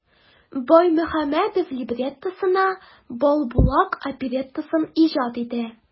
Баймөхәммәдев либреттосына "Балбулак" опереттасын иҗат итә.